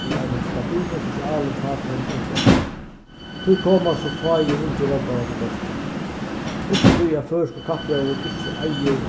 við einum stabilum sosialum og fakligum umhvørvi tí koma so fáir ungir rógvarar til boston ikki tí at føroyskur kappróður ikki eigur